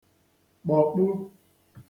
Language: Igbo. kpọ̀kpu